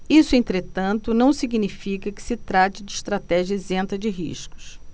isso entretanto não significa que se trate de estratégia isenta de riscos